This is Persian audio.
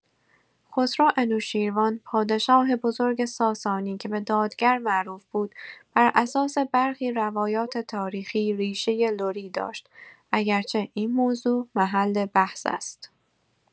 خسرو انوشیروان، پادشاه بزرگ ساسانی که به «دادگر» معروف بود، بر اساس برخی روایات تاریخی ریشه لری داشت، اگرچه این موضوع محل بحث است.